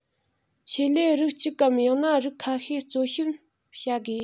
ཆེད ལས རིགས གཅིག གམ ཡང ན རིགས ཁ ཤས བརྩོན ཞིབ བྱ དགོས